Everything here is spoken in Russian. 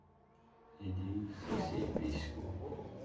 иди соси письку